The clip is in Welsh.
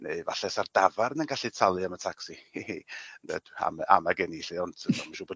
Neu efalla sa'r dafarn yn gallu talu am y tacsi am- ame gen i 'lly ond ma' siŵr bod